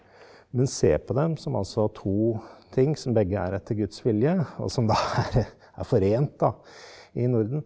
men ser på dem som altså to ting som begge er etter guds vilje og som da er er forent da i Norden.